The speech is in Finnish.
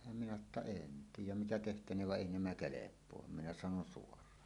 minä sanoin jotta en tiedä mitä tehtäneen vaan ei nämä kelpaa minä sanoin - suoraan